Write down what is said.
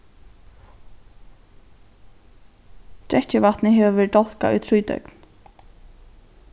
drekkivatnið hevur verið dálkað í trý døgn